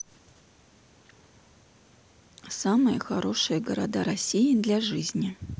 самые хорошие города россии для жизни